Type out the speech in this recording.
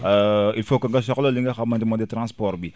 il faut que nga soxla li nga xamante moo di transport bi